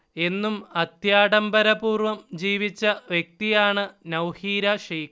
എന്നും അത്യാഢംബര പൂർവ്വം ജീവിച്ച വ്യക്തിയാണ് നൗഹീര ഷേയ്ഖ്